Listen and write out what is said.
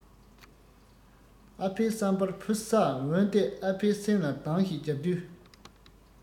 ཨ ཕའི བསམ པར བུ ས འོན ཏེ ཨ ཕའི སེམས ལ གདང ཞིག བརྒྱབ དུས